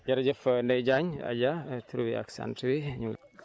jërëjëf Ndeye Diagne Adja tur bi ak sant bi